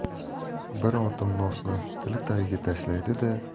bir otim nosni tili tagiga tashlaydi da